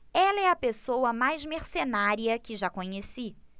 ela é a pessoa mais mercenária que já conheci